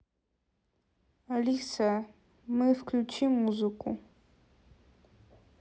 алиса мы включи музыку